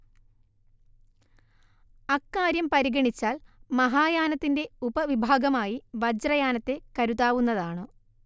അക്കാര്യം പരിഗണിച്ചാൽ മഹായാനത്തിന്റെ ഉപവിഭാഗമായി വജ്രയാനത്തെ കരുതാവുന്നതാണ്